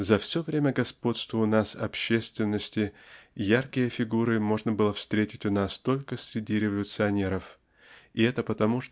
За все время господства у нас общественности яркие фигуры можно было встретить у нас только среди революционеров и это потому